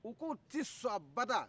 u k'u tɛ sɔn habada